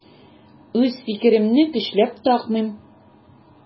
Үз фикеремне көчләп такмыйм.